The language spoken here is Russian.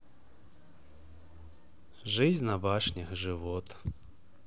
жизнь на башнях живот